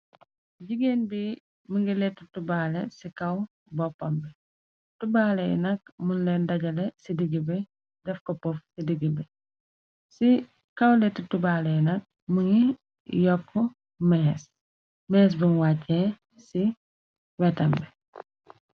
Jigéen bi mongi latti tibaale ci kaw boppam bi tibaale yi nak mun leen dajale ci digi bi def ko poff ci digg bi ci kaw leti tibaale yi nak mogi yokk mess mees bum wàccee ci wetam bi.